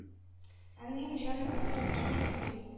Әнием, җаным, бәгърем... кирәкми...